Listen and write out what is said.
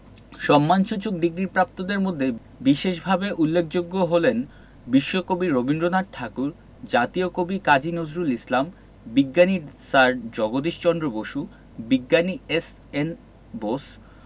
সম্মানসূচক ডিগ্রিপ্রাপ্তদের মধ্যে বিশেষভাবে উল্লেখযোগ্য হলেন বিশ্বকবি রবীন্দ্রনাথ ঠাকুর জাতীয় কবি কাজী নজরুল ইসলাম বিজ্ঞানী স্যার জগদীশ চন্দ্র বসু বিজ্ঞানী এস.এন বোস